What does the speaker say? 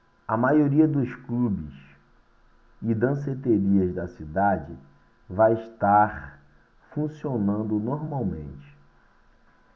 a maioria dos clubes e danceterias da cidade vai estar funcionando normalmente